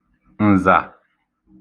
ǹzà